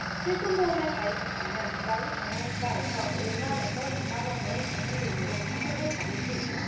실손보험에 가입했다면 대다수 정형외과에서 일 만 에서 이 만원의 적은 돈으로 치료를 받을 수 있다